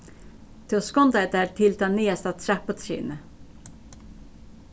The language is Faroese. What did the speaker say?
tú skundaði tær til tað niðasta trapputrinið